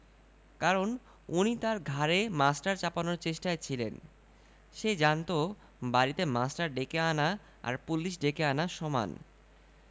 কারণ উনি তার ঘাড়ে মাস্টার চাপানোর চেষ্টায় ছিলেন সে জানত বাড়িতে মাস্টার ডেকে আনা আর পুলিশ ডেকে আনা সমান